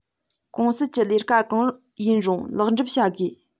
གོང གསལ གྱི ལས ཀ གང ཡིན རུང ལེགས འགྲུབ བྱ དགོས